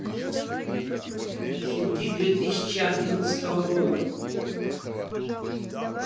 хиты две тысячи одиннадцатого года